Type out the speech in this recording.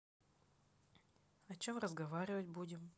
о чем разговаривать будем